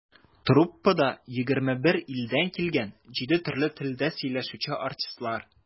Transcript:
Труппада - 21 илдән килгән, җиде төрле телдә сөйләшүче артистлар.